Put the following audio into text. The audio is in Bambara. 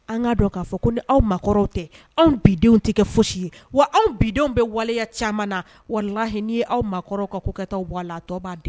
An ka dɔn k'a fɔ ko ni aw ma kɔrɔw tɛ anw bidenw tɛ kɛ foyisi ye wa anw bidenw bɛ waleya caman na wala h n'i ye aw ma kɔrɔ ka ko kɛ taa bɔ la tɔ b'a denw